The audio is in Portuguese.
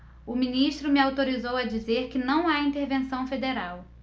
o ministro me autorizou a dizer que não há intervenção federal